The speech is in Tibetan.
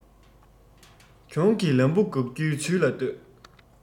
གྱོང གི ལམ བུ དགག རྒྱུའི བྱུས ལ ལྟོས